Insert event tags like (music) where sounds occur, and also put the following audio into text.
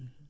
(hesitation) (hesitation)